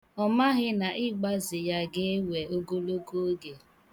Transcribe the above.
Ọ maghị na ịgbaze ya ga-ewe ogologo oge.